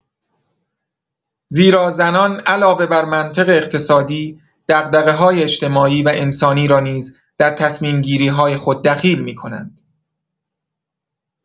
زیرا زنان علاوه بر منطق اقتصادی، دغدغه‌های اجتماعی و انسانی را نیز در تصمیم‌گیری‌های خود دخیل می‌کنند.